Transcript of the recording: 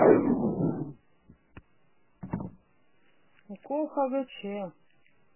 укол хгч